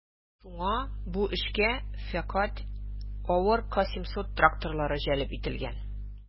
Шуңа бу эшкә фәкать авыр К-700 тракторлары җәлеп ителгән.